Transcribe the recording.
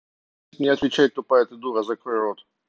хватит мне отвечать тупая дура закрой рот